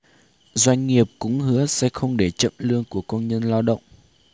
doanh nghiệp cũng hứa sẽ không để chậm lương của công nhân lao động